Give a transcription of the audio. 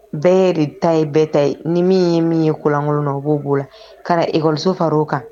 Bɛɛ ye de ta ye bɛɛ ta ye . Ni min ye min ye ko lankolon na o bo bo la ka na école so fara o kan.